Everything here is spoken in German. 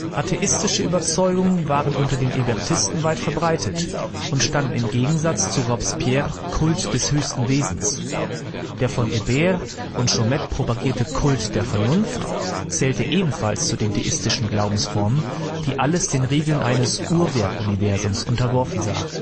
Atheistische Überzeugungen waren unter den Hébertisten weit verbreitet und stand im Gegensatz zu Maximilien de Robespierres Kult des höchsten Wesens Der von Hébert und Chaumette propagierte Kult der Vernunft zählte ebenfalls zu den deistischen Glaubensformen, die alles den Regeln eines „ Uhrwerk-Universums “unterworfen sah